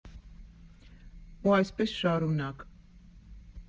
Ու այսպես շարունակ։